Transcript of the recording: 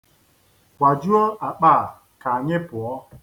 Kwajuo akpa a ka anyị pụọ.